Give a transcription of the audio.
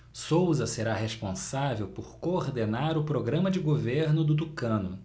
souza será responsável por coordenar o programa de governo do tucano